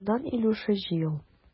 Шуннан, Илюша, җыел.